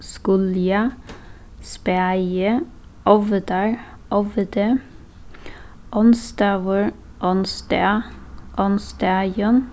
skula spaði óvitar óviti ónsdagur ónsdag ónsdagin